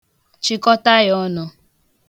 Chịkọta ya ọnụ.